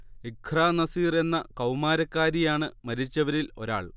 ഇഖ്ര നസീർ എന്ന കൗമാരക്കാരിയാണ് മരിച്ചവരിൽ ഒരാൾ